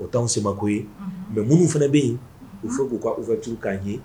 O t'anw se mako ye ;unhun; mais minnu fana bɛ yen il faut que u ka ouverture k'an ye